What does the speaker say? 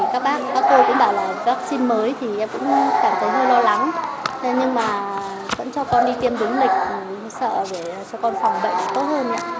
các bác các cô cũng bảo là vắc xin mới thì em cũng cảm thấy hơi lo lắng thế nhưng mà vẫn cho con đi tiêm đúng lịch sợ để cho con phòng bệnh tốt hơn ý ạ